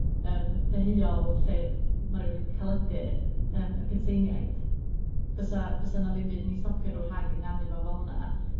yym deheuol lle ma' rywun yn caledu yym y cytseiniaid, bysa bysa 'na ddim byd 'n 'u stopio nw rhag ynganu fo fel 'na.